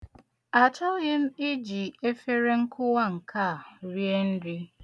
Achọghị iji efere nkụwa nke a rie nri.